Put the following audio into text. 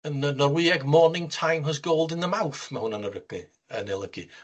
Yn y Norwyeg, morning time has gold in the mouth ma' hwnna'n olygu yn 'i olygu.